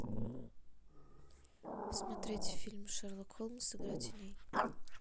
смотреть фильм шерлок холмс игра теней